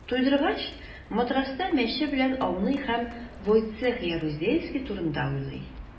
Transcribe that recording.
Туйдыргач, матраста мәче белән ауный һәм Войцех Ярузельский турында уйлый.